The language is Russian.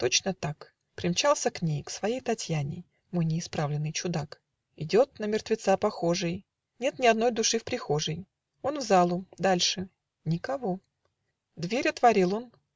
точно так: Примчался к ней, к своей Татьяне Мой неисправленный чудак. Идет, на мертвеца похожий. Нет ни одной души в прихожей. Он в залу; дальше: никого. Дверь отворил он.